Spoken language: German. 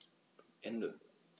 Ende.